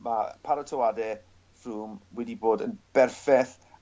ma' paratoade Froome wedi bod yn berffeth